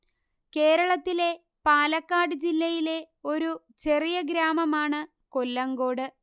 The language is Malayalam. കേരളത്തിലെ പാലക്കാട് ജില്ലയിലെ ഒരു ചെറിയ ഗ്രാമമാണ് കൊല്ലങ്കോട്